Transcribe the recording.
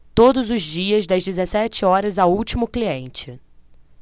todos os dias das dezessete horas ao último cliente